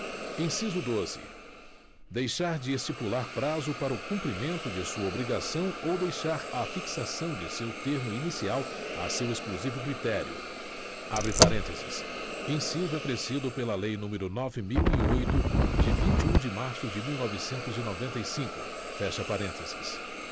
inciso doze deixar de estipular prazo para o cumprimento de sua obrigação ou deixar a fixação de seu termo inicial a seu exclusivo critério abre parênteses inciso acrescido pela lei número nove mil e oito de vinte e um de março de mil novecentos e noventa e cinco fecha parênteses